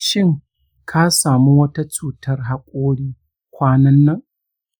shin ka samu wata cutar haƙori kwanan nan?